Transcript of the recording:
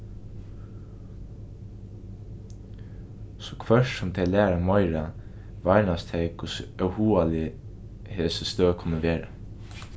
so hvørt sum tey læra meira varnast tey hvussu óhugalig hesi støð kunnu vera